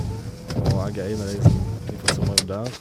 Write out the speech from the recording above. Og jeg er en av de som har fått sommerjobb der.